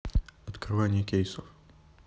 открывание кейсов